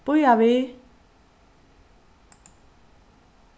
bíða við